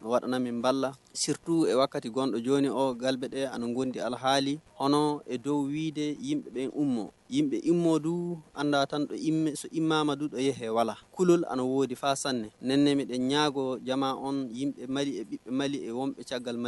Wad min'la setu waati kati gdɔ jɔnga bɛd ani kodi alilhaaaɔn do wuli de ma i mɔd an tan ma mamadu dɔ ye hwala kulu ani wodifasa n n ne'kɔ ya mali caga